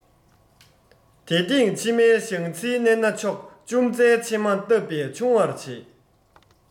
དེ སྟེང ཕྱི མའི གཞང ཚིལ བསྣན ན མཆོག ལྕུམ རྩའི ཕྱེ མ བཏབ པས ཆུང བར བྱེད